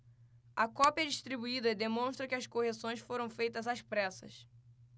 a cópia distribuída demonstra que as correções foram feitas às pressas